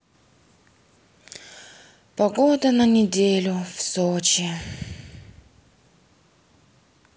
погода на неделю в сочи